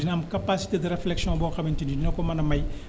dina am capacité de reflexion boo xamante ni ñoo ko mën a may